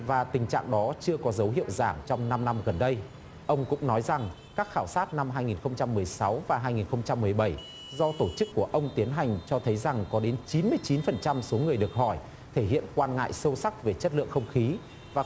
và tình trạng đó chưa có dấu hiệu giảm trong năm năm gần đây ông cũng nói rằng các khảo sát năm hai nghìn không trăm mười sáu và hai nghìn không trăm mười bảy do tổ chức của ông tiến hành cho thấy rằng có đến chín mươi chín phần trăm số người được hỏi thể hiện quan ngại sâu sắc về chất lượng không khí và